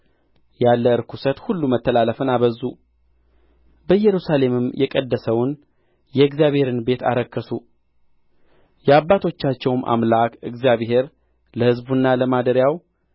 ያለ ርኵሰት ሁሉ መተላለፍን አበዙ በኢየሩሳሌምም የቀደሰውን የእግዚአብሔርን ቤት አረከሱ የአባቶቻቸውም አምላክ እግዚአብሔር ለሕዝቡና ለማደሪያው